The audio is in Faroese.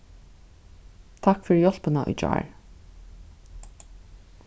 takk fyri hjálpina í gjár